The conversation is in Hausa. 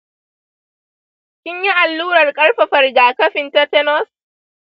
kin yi allurar ƙarfafa rigakafin tetanus?